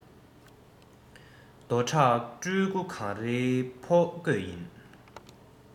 རྡོ བྲག སྤྲུལ སྐུ གངས རིའི ཕོ རྒོད ཡིན